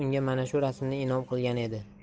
unga mana shu rasmni inom qilgan edi